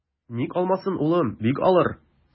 Ник алмасын, улым, бик алыр.